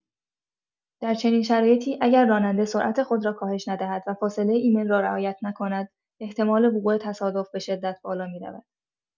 در چنین شرایطی، اگر راننده سرعت خود را کاهش ندهد و فاصله ایمن را رعایت نکند، احتمال وقوع تصادف به‌شدت بالا می‌رود.